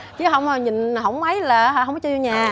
chứ hông nhìn hổng ấy là hả hổng có cho vô nhà